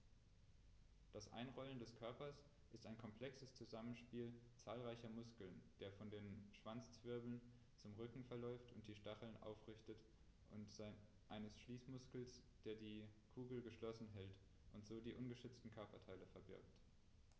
Das Einrollen des Körpers ist ein komplexes Zusammenspiel zahlreicher Muskeln, der von den Schwanzwirbeln zum Rücken verläuft und die Stacheln aufrichtet, und eines Schließmuskels, der die Kugel geschlossen hält und so die ungeschützten Körperteile verbirgt.